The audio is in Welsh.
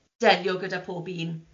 delio gyda pob un.